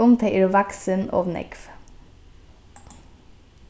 um tey eru vaksin ov nógv